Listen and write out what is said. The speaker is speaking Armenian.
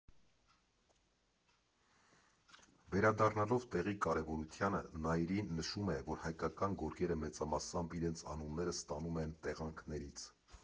Վերադառնալով տեղի կարևորությանը, Նայիրին նշում է, որ հայկական գորգերը մեծամասամբ իրենց անունները ստանում են տեղանքներից։